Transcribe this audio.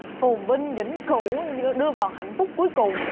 phồn vinh vĩnh cửu đưa vào hạnh phúc cuối cùng